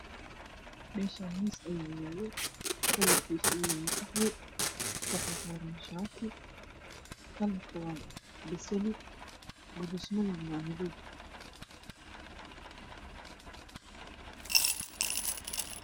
Meeshaan miis ayaa yaalo kalarkiisuna yahay qaxwi waxaa saaran shaati kalarka waa basali guluusmadana waa madow